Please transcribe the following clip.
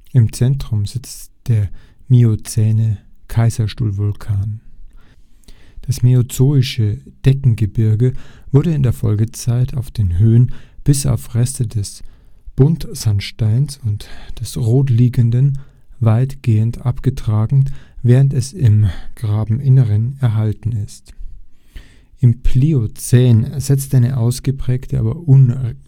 Im Zentrum sitzt der (miozäne) Kaiserstuhlvulkan. Das mesozoische Deckgebirge wurde in der Folgezeit auf den Höhen bis auf Reste des Buntsandsteins und des Rotliegenden weitgehend abgetragen, während es im Grabeninneren erhalten ist. Im Pliozän setzte eine ausgeprägte, aber ungleichmäßige